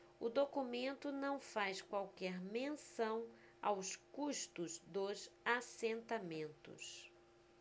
o documento não faz qualquer menção aos custos dos assentamentos